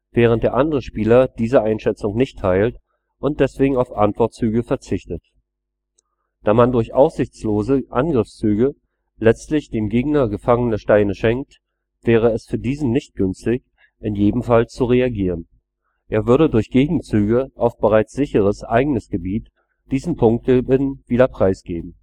während der andere Spieler diese Einschätzung nicht teilt und deswegen auf Antwortzüge verzichtet. Da man durch aussichtslose Angriffszüge letztlich dem Gegner gefangene Steine schenkt, wäre es für diesen nicht günstig, in jedem Fall zu reagieren. Er würde durch Gegenzüge auf bereits sicheres eigenes Gebiet diesen Punktgewinn wieder preisgeben